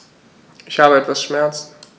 Ich habe etwas Schmerzen.